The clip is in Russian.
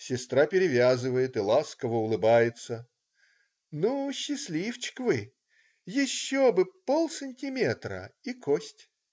Сестра перевязывает и ласково улыбается: "ну, счастливчик вы, еще бы полсантиметра - и кость".